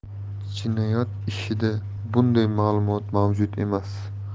jinoyat ishida bunday ma'lumot mavjud emas